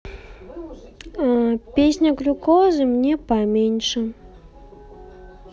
песня глюкозы мне поменьше